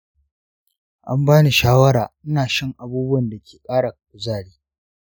an bani shawara ina shan abubuwan da ke ƙara kuzari.